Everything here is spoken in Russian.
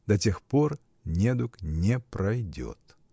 — до тех пор недуг не пройдет!